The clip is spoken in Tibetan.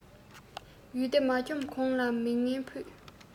ཡུལ སྡེ མ འཁྱོམས གོང ལ མི ངན ཕུད